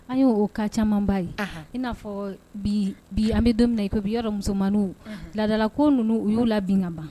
An oo ka camanba ye in n'afɔ bi bi an bɛ don i ko bi yɔrɔ musomanmani ladala ko ninnu u y'o la bin kaban